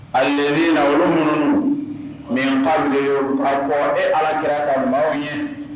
Aleni na minnu minyanfa aa kɔ e ala kɛra ka maaw ye